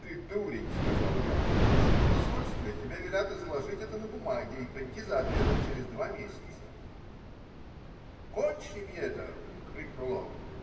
-- Ты дурень, -- сказал я, -- в русском посольстве тебе велят изложить это на бумаге и прийти за ответом через два месяца. -- Кончим это! -- крикнул он.